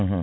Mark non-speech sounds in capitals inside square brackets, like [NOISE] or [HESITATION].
[HESITATION] [HESITATION]